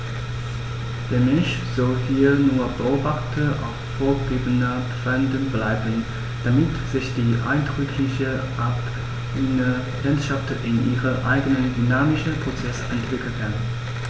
Der Mensch soll hier nur Beobachter auf vorgegebenen Pfaden bleiben, damit sich die eindrückliche alpine Landschaft in ihren eigenen dynamischen Prozessen entwickeln kann.